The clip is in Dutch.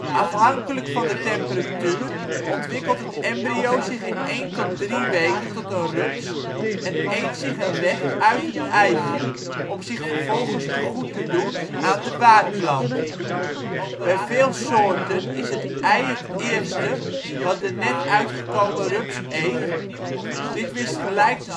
Afhankelijk van de temperatuur ontwikkelt het embryo zich in 1 tot 3 weken tot een rups en eet zich een weg uit het eitje om zich vervolgens te goed te doen aan de waardplant. Bij veel soorten is het ei het eerste wat de net uitgekomen rups eet, dit wist gelijk